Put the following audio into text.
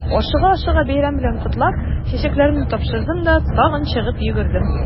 Ашыга-ашыга бәйрәм белән котлап, чәчәкләремне тапшырдым да тагы чыгып йөгердем.